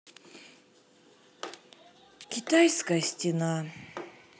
китайская стена